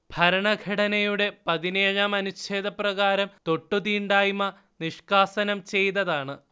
ഭരണഘടനയുടെ പതിനേഴാം അനുഛേദപ്രകാരം തൊട്ടുതീണ്ടായ്മ നിഷ്കാസനം ചെയ്തതാണ്